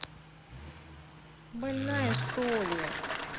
больная что ли